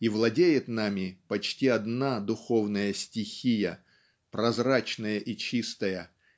и владеет нами почти одна духовная стихия прозрачная и чистая